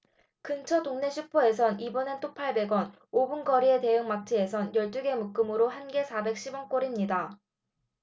근처 동네 슈퍼에선 이번엔 또 팔백 원 오 분 거리의 대형마트에선 열 두 개 묶음으로 한 개 사백 십 원꼴입니다